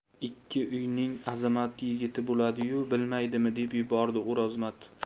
ikki uyning azamat yigiti bo'ladi yu bilmaydimi deb yubordi o'rozmat